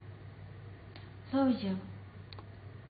སླེབས བཞག